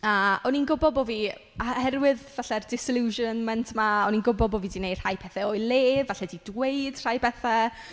A o'n i'n gwbo' bo' fi... oherwydd falle'r disillusionment 'ma, o'n i'n gwbo' bo' fi 'di wneud rhai pethau o'i le, falle 'di dweud rhai bethau.